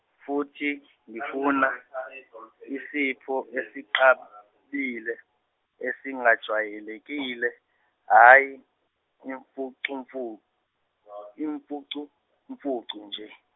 futhi ngifuna, isipho esinqabile, esingajwayelekile, hhayi imfucumfu- imfucumfucu nje.